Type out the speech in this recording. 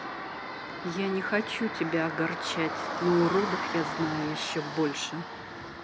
не хочу тебя огорчать но уродов я знаю еще больше